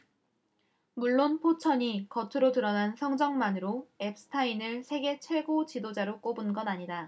물론 포천이 겉으로 드러난 성적만으로 엡스타인을 세계 최고 지도자로 꼽은 건 아니다